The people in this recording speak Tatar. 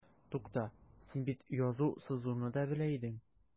Тукта, син бит язу-сызуны да белә идең.